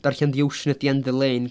Darllen The Ocean at the end of the Lane.